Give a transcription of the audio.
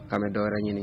K' an bɛ dɔwɛrɛ ɲini